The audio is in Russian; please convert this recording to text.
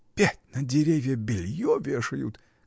— Опять на деревья белье вешают!